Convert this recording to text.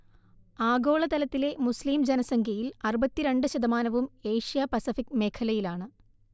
ആഗോളതലത്തിലെ മുസ്ലിം ജനസംഖ്യയിൽ അറുപത്തി രണ്ട് ശതമാനവും ഏഷ്യ-പസഫിക് മേഖലയിലാണ്